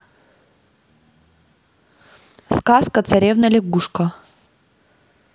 сказка царевна лягушка